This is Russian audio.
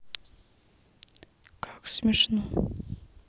как смешно